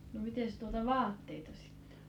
no mitenkäs tuota vaatteita sitten